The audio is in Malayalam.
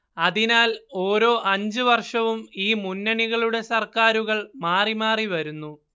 അതിനാൽ ഓരോ അഞ്ച് വർഷവും ഈ മുന്നണികളുടെ സർക്കാരുകൾ മാറി മാറി വരുന്നു